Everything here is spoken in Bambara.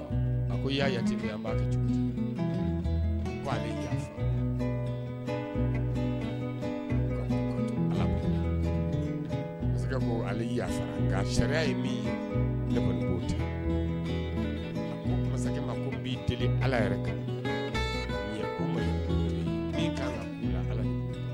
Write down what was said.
A ya ya yaa masakɛ yaasa karisa sariya ye min masakɛ ma ko b deli ala yɛrɛ kan ala